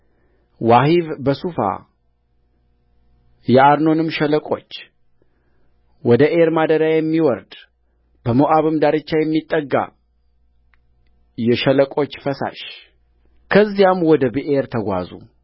ዋሄብ በሱፋየአርኖንም ሸለቆችወደ ዔር ማደሪያ የሚወርድ በሞዓብም ዳርቻ የሚጠጋ የሸለቆች ፈሳሽከዚያም ወደ ብኤር ተጓዙ